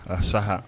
Aa saha